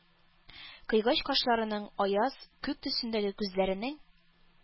Кыйгач кашларының, аяз күк төсендәге күзләренең,